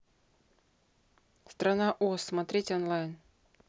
страна оз смотреть онлайн